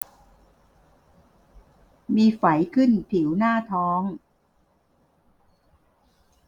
มีไฝขึ้นผิวหน้าท้อง